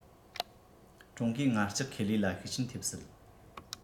ཀྲུང གོའི ངར ལྕགས ཁེ ལས ལ ཤུགས རྐྱེན ཐེབས སྲིད